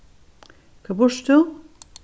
hvar býrt tú